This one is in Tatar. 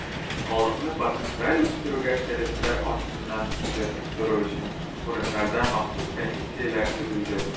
Халыкны потенциаль үстерүгә сәләтлеләр артыннан күзәтеп тору өчен, урыннарда махсус комиссияләр төзелде.